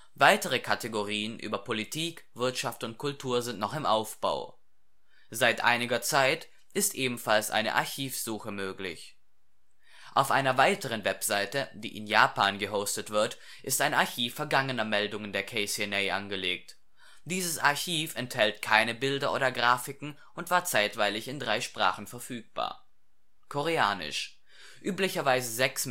Weitere Kategorien über Politik, Wirtschaft und Kultur sind noch im Aufbau. Seit einiger Zeit ist ebenfalls eine Archivsuche möglich. Auf einer weiteren Website, die in Japan gehostet wird, ist ein Archiv vergangener Meldungen der KCNA angelegt. Dieses Archiv enthält keine Bilder oder Grafiken und war zeitweilig in drei Sprachen verfügbar: Koreanisch: Üblicherweise sechs